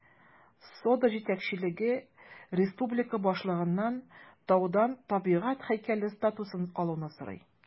Сода җитәкчелеге республика башлыгыннан таудан табигать һәйкәле статусын алуны сорый.